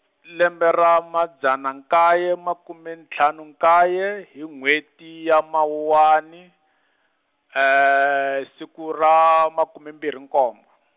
lembe ra madzana nkaye makume ntlhanu nkaye hi n'wheti ya Mawuwani, siku ra makume mbirhi nkombo .